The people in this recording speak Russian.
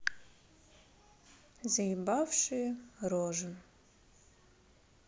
заебавшие рожи